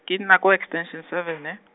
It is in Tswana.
ke nna ko Extension seven ne.